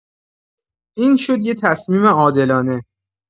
این شد یه تصمیم عادلانه.